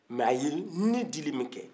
mɛ a ye ni dili min kɛ